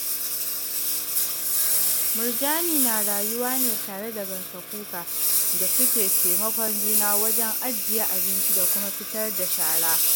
Murjani na rayuwa ne tare da gansakuka da suke taimakon juna wajen ajiye abinci da kuma fitar da shara.